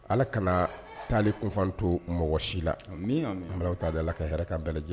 Ala kana taalen kɔn to mɔgɔ si la an ta ala ka hɛrɛ ka bɛɛ lajɛlen